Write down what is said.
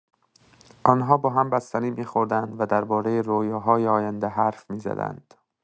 آن‌ها با هم بستنی می‌خوردند و دربارۀ رویاهای آینده حرف می‌زدند.